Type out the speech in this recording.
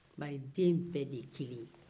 bari den bɛɛ de ye kelen ye